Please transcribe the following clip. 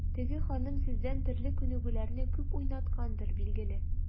Теге ханым сездән төрле күнегүләрне күп уйнаткандыр, билгеле.